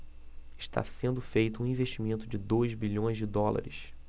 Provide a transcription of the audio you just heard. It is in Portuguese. está sendo feito um investimento de dois bilhões de dólares